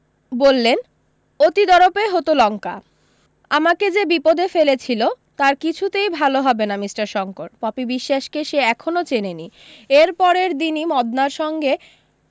বললেন অতিদরপে হত লঙ্কা আমাকে যে বিপদে ফেলেছিল তার কিছুতেই ভালো হবে না মিষ্টার শংকর পপি বিশ্বাসকে সে এখনও চেনেনি এর পরের দিনি মদনার সঙ্গে